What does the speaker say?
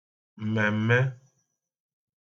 m̀mèm̀me